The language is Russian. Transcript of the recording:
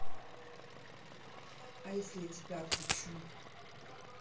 а если я тебя отключу